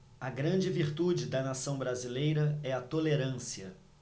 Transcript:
a grande virtude da nação brasileira é a tolerância